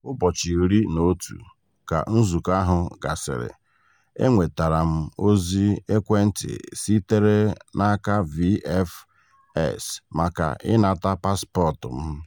Ụbọchị 11 ka nzukọ ahụ gasịrị, enwetara m ozi ekwentị sitere n'aka VFS maka ịnata paspọtụ m.